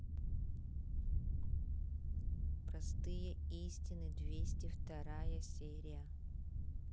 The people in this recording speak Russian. простые истины двести вторая серия